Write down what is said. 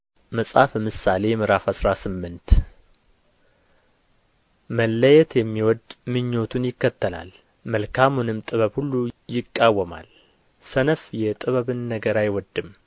መጽሐፈ ምሳሌ ምዕራፍ አስራ ስምንት መለየት የሚወድ ምኞቱን ይከተላል መልካሙንም ጥበብ ሁሉ ይቃወማል ሰነፍ የጥበብን ነገር አይወድድም